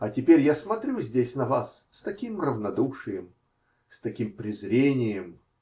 А теперь я смотрю здесь на вас с таким равнодушием. с таким презрением!